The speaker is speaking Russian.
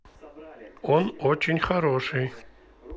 он очень хороший